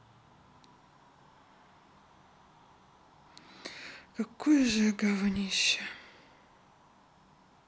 какое же говнище